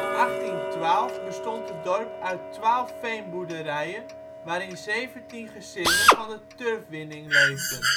In 1812 bestond het dorp uit 12 veenboerderijen waarin 17 gezinnen van de turfwinning leefden